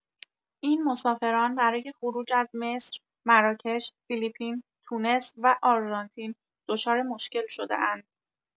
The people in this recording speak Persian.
این مسافران برای خروج از مصر، مراکش، فیلیپین، تونس و آرژانتین دچار مشکل شده‌اند.